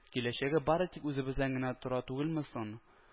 Киләчәге бары тик үзебездән генә тора түгелме соң